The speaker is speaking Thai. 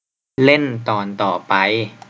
เล่นตอนต่อไป